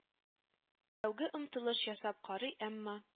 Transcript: Тәүге омтылыш ясап карый, әмма